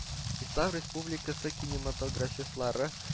Ислам Республикасы кинематографистлары